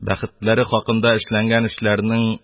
Бәхетләре хакында эшләнгән эшләрнең,